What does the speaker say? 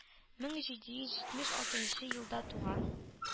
Мең җиде йөз җитмеш алтынчы елда туган